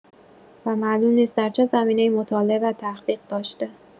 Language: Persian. و معلوم نیست در چه زمینه‌ای مطالعه و تحقیق داشته